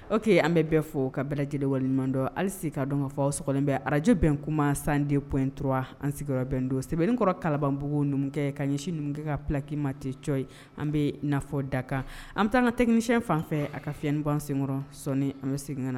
Oke an bɛ bɛ fɔ ka bɛɛ lajɛlen waleɲumandɔ hali se k kaa dɔn kaa fɔ awk bɛ arajo bɛn kuma sanden p in dɔrɔn an sigiyɔrɔbɛn don sɛbɛnnenkɔrɔ kalabanbugu numukɛ ka ɲɛsin numukɛ ka pki ma tɛ co ye an bɛ da kan an bɛ taa ka tɛmɛiyɛnfan fɛ a ka fiɲɛban senkɔrɔ sɔɔni an bɛ segin na